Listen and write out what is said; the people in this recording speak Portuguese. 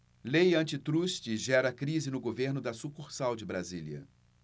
lei antitruste gera crise no governo da sucursal de brasília